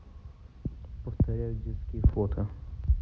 повторяю детские фото